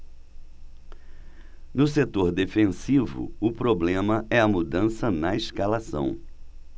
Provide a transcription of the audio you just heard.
no setor defensivo o problema é a mudança na escalação